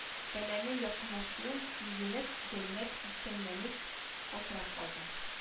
Бәланең якынлашуын сизенгән зәйнәп сискәнүдән калтыранып алды